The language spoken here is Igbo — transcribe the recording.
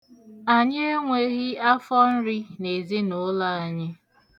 Anyị enweghị afọnri n'ezinụlọ anyị.